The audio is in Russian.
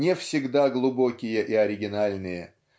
не всегда глубокие и оригинальные